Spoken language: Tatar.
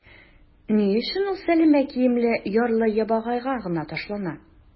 Ни өчен ул сәләмә киемле ярлы-ябагайга гына ташлана?